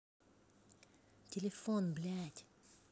телефон блядь